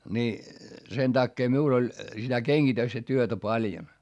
niin sen takia minulla oli sitä kengitystä työtä paljon